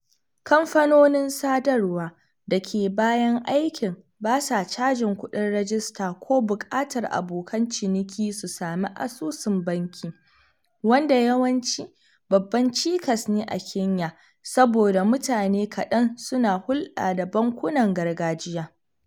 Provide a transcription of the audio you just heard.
Kamfanonin sadarwa da ke bayan aikin basa cajin kuɗin rajista ko buƙatar abokan ciniki su sami asusun banki, wanda yawanci babban cikas ne a Kenya saboda mutane kaɗan suna hulɗa da bankunan gargajiya.